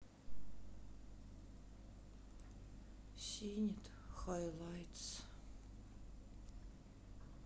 синет хайлайтс